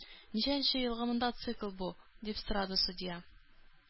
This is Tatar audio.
Ничәнче елгы мотоцикл бу? – дип сорады судья.